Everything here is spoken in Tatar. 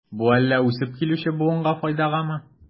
Бу әллә үсеп килүче буынга файдагамы?